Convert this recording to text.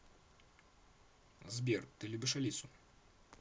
сбер ты любишь алису